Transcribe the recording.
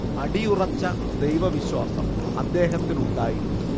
അടിയുറച്ച ദൈവവിശ്വാസം അദ്ദേഹത്തിനുണ്ടായിരുന്നു